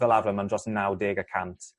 fel arfer ma'n dros naw deg y cant